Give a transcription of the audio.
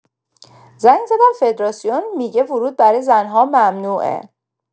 زنگ زدم فدارسیون می‌گه ورود برای زن‌ها ممنوعه.